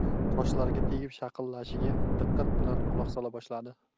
toshlarga tegib shaqillashiga diqqat bilan quloq sola boshladi